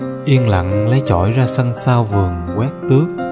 yên lặng lấy chổi ra sân sau vườn quét tước